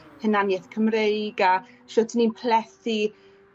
hunanieth Cymreig a shwt 'yn ni'n plethu